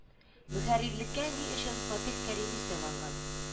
Мөхәррирлеккә ни өчен фатих кәрими сайланган